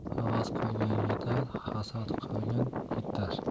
havas qilgan yetar hasad qilgan yitar